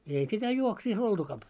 ei sitä juovuksissa oltukaan -